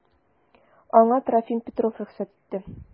Аңа Трофим Петров рөхсәт итте.